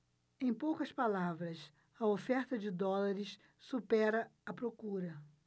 em poucas palavras a oferta de dólares supera a procura